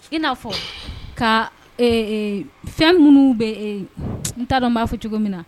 I n'a fɔ ka fɛn minnu bɛ n taara dɔn n b'a fɔ cogo min na